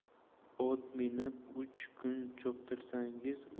ot minib uch kun choptirsangiz